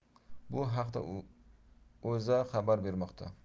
bu haqda o'za xabar bermoqda